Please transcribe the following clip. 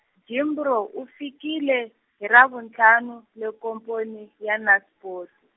Jimbro u fikile, hi ravuntlhanu, le komponi, ya Naspoti.